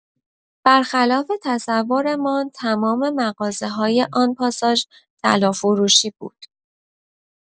برخلاف تصورمان تمام مغازه‌های آن پاساژ طلا فروشی بود!